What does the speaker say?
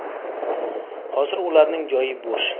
hozir ularning joyi bush